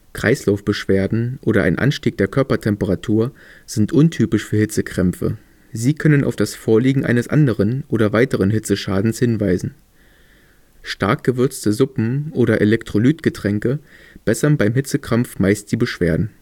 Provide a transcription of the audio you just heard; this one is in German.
Kreislaufbeschwerden oder ein Anstieg der Körpertemperatur sind untypisch für Hitzekrämpfe, sie können auf das Vorliegen eines anderen oder weiteren Hitzeschadens hinweisen. Stark gewürzte Suppen oder Elektrolytgetränke bessern beim Hitzekrampf meist die Beschwerden